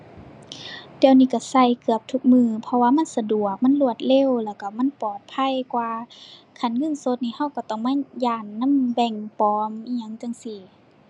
เดี๋ยวนี้ก็ก็เกือบทุกมื้อ เพราะว่ามันสะดวก มันรวดเร็วแล้วก็มันปลอดภัยกว่า คันเงินสดนี้ก็ก็ต้องมาย้านนำแบงก์ปลอม อิหยังจั่งซี้